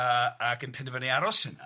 Yy ag yn penderfynu aros yna.